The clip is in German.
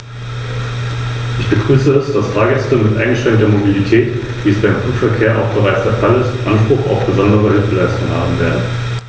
Das EU-Patentsystem leidet allerdings unter vielen Mängeln, die die Schaffung eines einheitlichen Patentschutzes, aber auch die Entwicklung des Binnenmarktes blockieren und dadurch die Rechtssicherheit für Erfinder und innovative Unternehmen mindern.